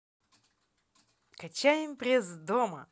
качаем пресс дома